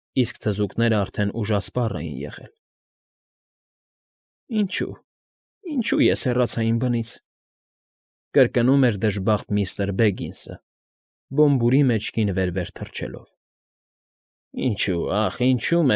Իսկ թզզուկներն արդեն ուժասպառ էին եղել։ ֊ Ինչո՞ւ, ախ, ինչո՞ւ ես հեռացա իմ բնից,֊ կրկնում էր դժբախտ միստր Բեգինսը՝ Բոմբուրի մեջքին վեր֊վեր թռչելով։ ֊ Ինչո՞ւ, ախ, ինչո՞ւ։